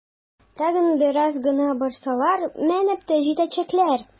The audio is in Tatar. Тагын бераз гына барсалар, менеп тә җитәчәкләр!